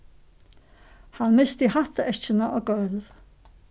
hann misti hattaeskjuna á gólv